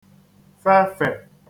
fefè